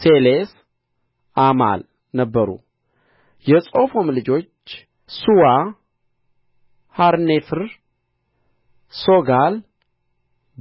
ሰሌስ ዓማል ነበሩ የጾፋም ልጆች ሱዋ ሐርኔፍር ሦጋል